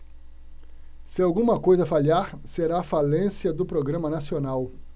se alguma coisa falhar será a falência do programa nacional